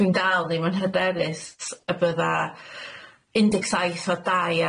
Dwi'n dal ddim yn hyderyst y bydda un deg saith o dau